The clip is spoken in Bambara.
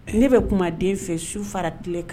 Ne bɛ kuma den fɛ su fara tile kan